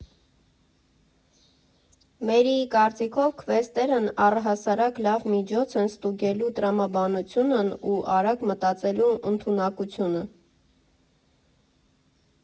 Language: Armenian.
Մերիի կարծիքով՝ քվեսթերն առհասարակ լավ միջոց են ստուգելու տրամաբանությունն ու արագ մտածելու ընդունակությունը.